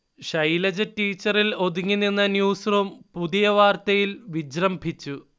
ശൈലജ ടീച്ചറിൽ ഒതുങ്ങിനിന്ന ന്യൂസ്റൂം പുതിയ വാർത്തയിൽ വിജൃംഭിച്ചു